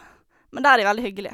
Men der er de veldig hyggelige.